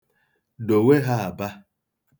Dowe ha aba.